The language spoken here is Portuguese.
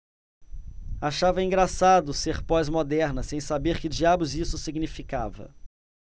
achava engraçado ser pós-moderna sem saber que diabos isso significava